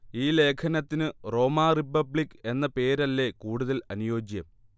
ഈ ലേഖനത്തിനു Roma republic എന്ന പേര് അല്ലേ കൂടുതൽ അനുയോജ്യം